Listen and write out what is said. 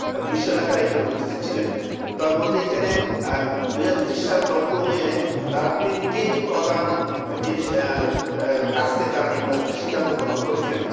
বিশ্বনেতারা এখানে উপস্থিত ছিলেন তার মধ্যে এখানে ২০৩০ সালে লক্ষ্য উন্নয়নে তারা তিনটি প্রধান জিনিস কাজকে তারা সিদ্ধান্ত গ্রহণ করেছেন